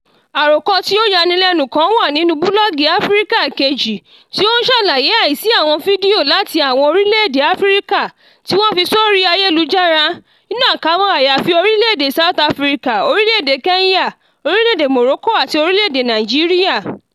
Àròkọ tí ó yanilẹ́nu kan wà nínú búlọ́ọ́gì Africa 2.0 tí o ń ṣàlàyé àìsí àwọn fídíò láti àwọn orílẹ̀-èdè Africa tí wọ́n fi sórí ayélujára (àyàfi Orílẹ̀-èdè South Africa, Orílẹ̀-èdè Kenya, Orílẹ̀-èdè Morocco àti Orílẹ̀-èdè Nigeria).